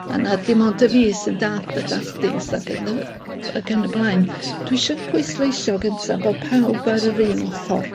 a na dim ond y fi sy'n dallt y dalltings ag yn y ag yn y blaen, dwi isio pwysleisio gynta bo' pawb ar yr un ochor